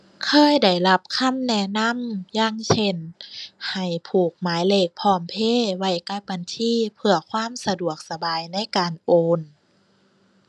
เคยได้รับคำแนะนำ อย่างเช่น ให้ผูกหมายเลข PromptPay ไว้กับบัญชีเพื่อความสะดวกสบายในการโอน